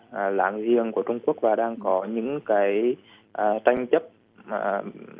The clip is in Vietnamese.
láng giềng của trung quốc và đang có những cái tranh chấp